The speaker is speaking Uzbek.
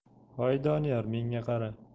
hoy doniyor menga qara